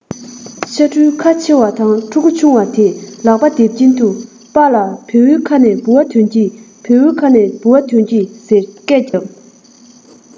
ཤ ཕྲུའི ཁ ཕྱེ བ དང ཕྲུ གུ ཆུང བ དེས ལག པ རྡེབ ཀྱིན དུ པྰ ལགས བེའུའི ཁ ནས ལྦུ བ དོན གྱིས བེའུའི ཁ ནས ལྦུ བ དོན གྱིས ཟེར སྐད རྒྱབ